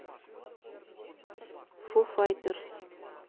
фу файтерс